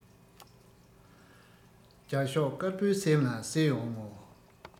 རྒྱ ཤོག དཀར པོའི སེམས ལ གསལ ཡོང ངོ